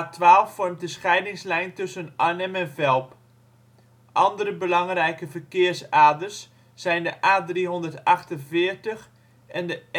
A12 vormt de scheidingslijn tussen Arnhem en Velp. Andere belangrijke verkeersaders zijn de A348 en de